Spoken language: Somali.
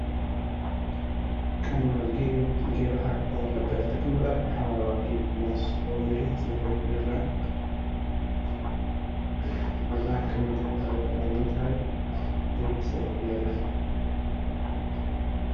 Waa meel beer ah waxaa ii muuqda geed midabkiisa cagaar waxaa ku dhagan moska mirihiisa